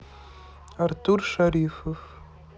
артур шарифов